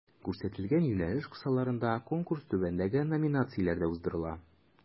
Күрсәтелгән юнәлеш кысаларында Конкурс түбәндәге номинацияләрдә уздырыла: